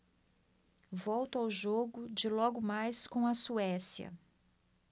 volto ao jogo de logo mais com a suécia